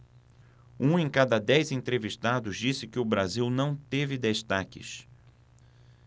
um em cada dez entrevistados disse que o brasil não teve destaques